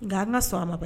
Nka an ka so a laban